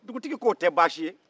dutigi k'o tɛ baasi ye